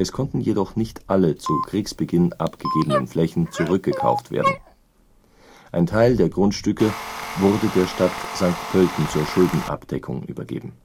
konnten jedoch nicht alle zu Kriegsbeginn abgegebenen Flächen zurückgekauft werden, ein Teil der Grundstücke wurde der Stadt St. Pölten zur Schuldenabdeckung übergeben